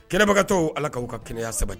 Kɛnɛbagatɔ ala k ka'u ka kɛnɛyaya saba